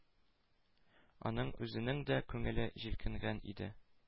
Аның үзенең дә күңеле җилкенгән иде;